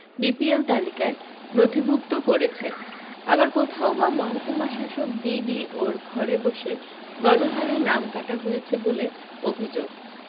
BPL তালিকায় নথিভুক্ত করেছে আবার কোথাও বা মহকূমাশাসক বিডিওর ঘরে বসে গণহারে নাম কাটা হয়েছে বলে অভি্যোগ